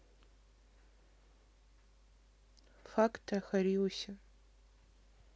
факты о хариусе